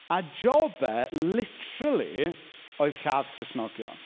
A job e literally oedd lladd Cristnogion.